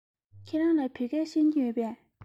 ཁྱེད རང བོད སྐད ཤེས ཀྱི ཡོད པས